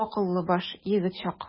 Акыллы баш, егет чак.